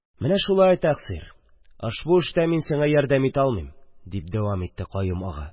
– менә шулай, тәкъсир, ошбу эштә мин сиңа ярдәм итә алмыйм, – дип давам итте каюм ага